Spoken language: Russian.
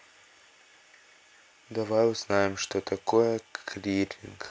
давай узнаем что такое клиринг